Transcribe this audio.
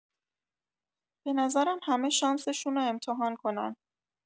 بنظرم همه شانسشونو امتحان کنن.